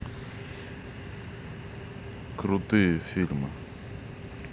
крутые фильмы